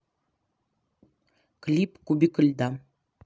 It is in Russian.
клип кубик льда